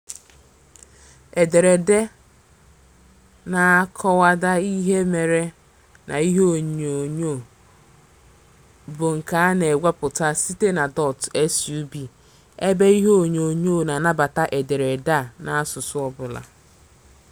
Ederede na-akọwada ihe mere na ihe onyonyo bụ nke a na-ewepụta site na dotSUB, ebe ihe onyonyo na-anabata ederede a n'asụsụ ọbụla.